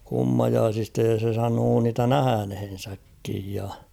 kummajaisista ja se sanoi niitä nähneensäkin ja